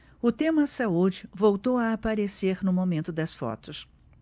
o tema saúde voltou a aparecer no momento das fotos